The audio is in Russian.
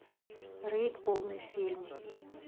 рейд полный фильм